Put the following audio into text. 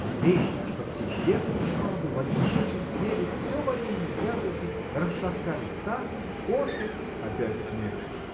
— В-третьих, что все девки и бабы, в один вечер, съели всё варенье, яблоки, растаскали сахар, кофе. Опять смех.